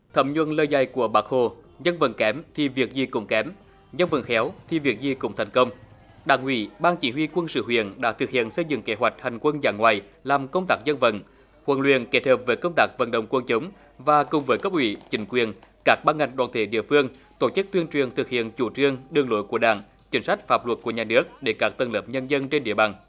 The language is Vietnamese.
thấm nhuần lời dạy của bác hồ dân vận kém thì việc gì cũng kém dân vận khéo thì việc gì cũng thành công đảng ủy ban chỉ huy quân sự huyện đã thực hiện xây dựng kế hoạch hành quân dã ngoại làm công tác dân vận huấn luyện kết hợp với công tác vận động quần chúng và cùng với cấp ủy chính quyền các ban ngành đoàn thể địa phương tổ chức tuyên truyền thực hiện chủ trương đường lối của đảng chính sách pháp luật của nhà nước để các tầng lớp nhân dân trên địa bàn